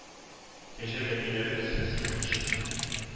Кәҗә бәтиләре төсле сикерешеп,